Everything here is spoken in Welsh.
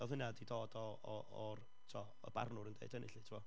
Oedd hynna 'di dod o, o, o'r tibod y barnwr yn deud hynny 'lly tibod.